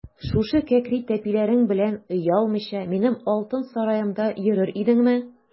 Шушы кәкре тәпиләрең белән оялмыйча минем алтын сараемда йөрер идеңме?